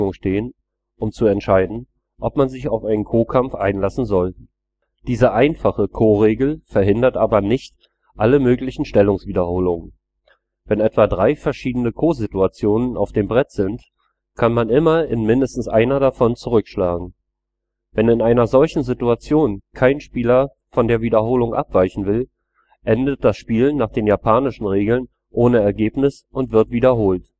stehen, um zu entscheiden, ob man sich auf den Ko-Kampf einlassen soll. Diese „ einfache “Ko-Regel verhindert aber nicht alle möglichen Stellungswiederholungen. Wenn etwa drei verschiedene Ko-Situationen auf dem Brett sind, kann man immer in mindestens einer davon zurückschlagen. Wenn in einer solchen Situation kein Spieler von der Wiederholung abweichen will, endet das Spiel nach den Japanischen Regeln ohne Ergebnis und wird wiederholt